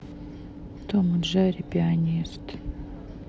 том и джерри пианист